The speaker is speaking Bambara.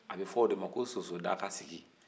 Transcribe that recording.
a bɛ f'o de ma ko sossodagasigi